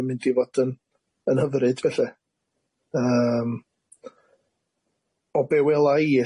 yn mynd i fod yn yn hyfryd felly yym o be' wela i